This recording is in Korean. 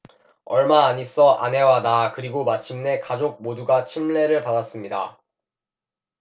얼마 안 있어 아내와 나 그리고 마침내 가족 모두가 침례를 받았습니다